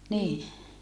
niin